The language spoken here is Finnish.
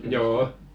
joo